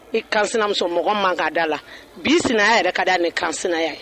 I kansinamuso, mɔgɔ man kan ka da la, bi sinaya yɛrɛ ka di hali ni kansinaya ye